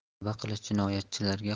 tavba qilish jinoyatchilarga